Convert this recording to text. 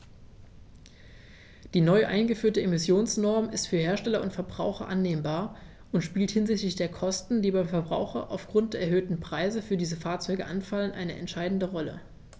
Die neu eingeführte Emissionsnorm ist für Hersteller und Verbraucher annehmbar und spielt hinsichtlich der Kosten, die beim Verbraucher aufgrund der erhöhten Preise für diese Fahrzeuge anfallen, eine entscheidende Rolle.